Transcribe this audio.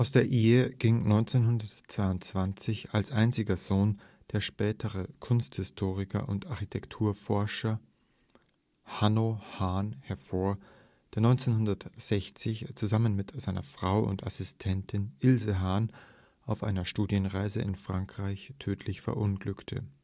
der Ehe ging 1922 als einziger Sohn der spätere Kunsthistoriker und Architekturforscher (an der Hertziana in Rom) Hanno Hahn hervor, der 1960 zusammen mit seiner Frau und Assistentin Ilse Hahn auf einer Studienreise in Frankreich tödlich verunglückte